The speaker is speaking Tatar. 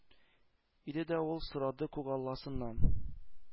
Иде дә ул сорады күк алласыннан: